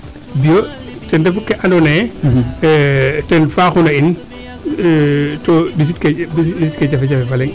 bio ten refu kee ando naye ten faaxu na in to mbisiid ke jafe jafe fa leŋ